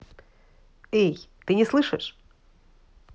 эй ты не слышишь